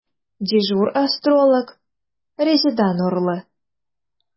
Дежур астролог – Резеда Нурлы.